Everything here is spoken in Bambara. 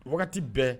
Wagati bɛɛ